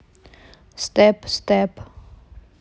step step